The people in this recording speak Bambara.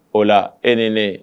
O la e ni ne